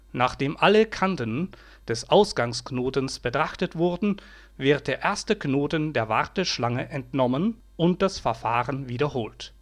Nachdem alle Kanten des Ausgangsknotens betrachtet wurden, wird der erste Knoten der Warteschlange entnommen, und das Verfahren wiederholt